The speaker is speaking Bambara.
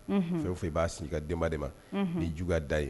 Fɛ fɔ i b'a sigi i ka denba de ma n ni juguya da ye